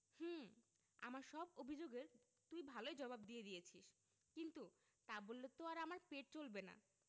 হুম আমার সব অভিযোগ এর তুই ভালই জবাব দিয়ে দিয়েছিস কিন্তু তা বললে তো আর আমার পেট চলবে না